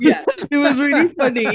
Yeah It was really funny...